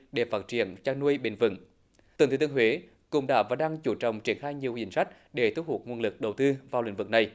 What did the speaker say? để phát triển chăn nuôi bền vững tỉnh thừa thiên huế cũng đã và đang chú trọng triển khai nhiều quyển sách để thu hút nguồn lực đầu tư vào lĩnh vực này